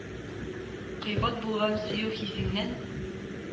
Кыйбат булган сөю хисеңнән